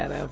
jarama